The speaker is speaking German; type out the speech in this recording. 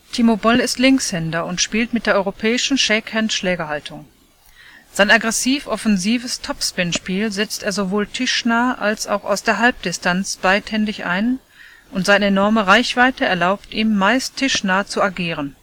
Timo Boll ist Linkshänder und spielt mit der europäischen Shakehand-Schlägerhaltung. Sein aggressiv-offensives Topspin-Spiel setzt er sowohl tischnah als auch aus der Halbdistanz beidhändig ein und seine enorme Reichweite erlaubt ihm, meist tischnah zu agieren